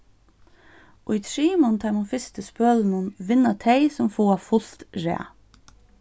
í trimum teimum fyrstu spølunum vinna tey sum fáa fult rað